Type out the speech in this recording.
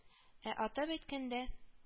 Ә атап әйткәндә,